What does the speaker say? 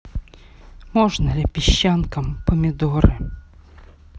можно ли песчанкам помидоры